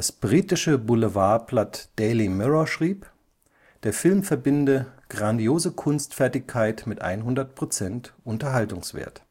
britische Boulevardblatt Daily Mirror schrieb, der Film verbinde „ grandiose Kunstfertigkeit mit 100 Prozent Unterhaltungswert